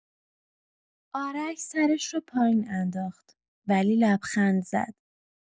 آرش سرش رو پایین انداخت، ولی لبخند زد.